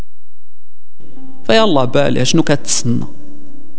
يلا باي